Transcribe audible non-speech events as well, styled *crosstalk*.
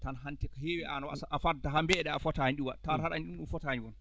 tan hanti ko heewi aan a *hesitation* a fadtaa haa mbiyeɗaa a fotaani ɗum waɗ tawata haɗa anndi ɗum fotaani ɗum